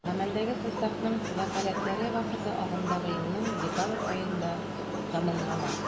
Гамәлдәге составның вәкаләтләре вакыты агымдагы елның декабрь аенда тәмамлана.